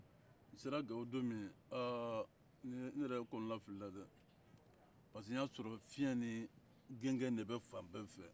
n sera gawo don min ha n yɛrɛ kɔnɔnafilila dɛ parce que n y'a sɔrɔ fiyɛn ni gɔngɔn de bɛ fan bɛɛ fɛ